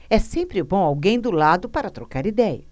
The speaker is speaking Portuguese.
é sempre bom alguém do lado para trocar idéia